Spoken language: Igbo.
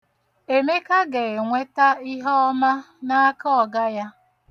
Emeka ga-enweta ihe ọma n'aka ọga ya.